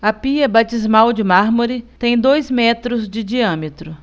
a pia batismal de mármore tem dois metros de diâmetro